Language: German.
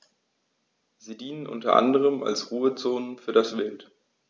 Sie dienen unter anderem als Ruhezonen für das Wild.